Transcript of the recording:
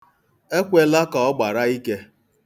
Ekwela ka ọ agbara ike.